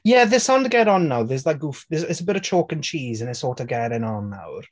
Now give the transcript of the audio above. Yeah, they're starting to get on now, there's like, oof... there's it's a bit of chalk and cheese and they're sort of getting on nawr.